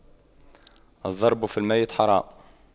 الضرب في الميت حرام